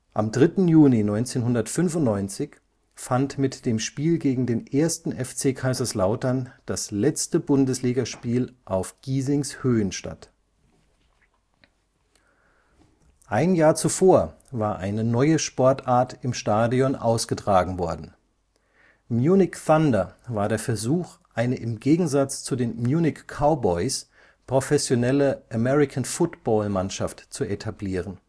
Am 3. Juni 1995 fand mit dem Spiel gegen den 1. FC Kaiserslautern das letzte Bundesligaspiel auf Giesings Höhen statt. Ein Jahr zuvor war eine neue Sportart im Stadion ausgetragen worden. Munich Thunder war der Versuch, eine im Gegensatz zu den Munich Cowboys professionelle American-Football-Mannschaft zu etablieren